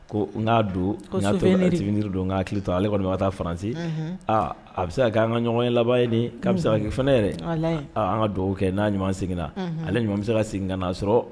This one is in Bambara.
Ko n ka don' fɛn yebiri don ka hakili to ale kɔni ka taa faransi aaa a bɛ se kan ka ɲɔgɔn ye laban ye ni'an bɛ se kɛ fana ne yɛrɛ an ka dugawu kɛ na ɲuman seginna na ale bɛ se ka segin naa sɔrɔ